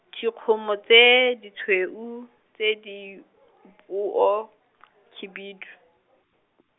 Dikgomo tse ditshweu tse di poo , khibidu.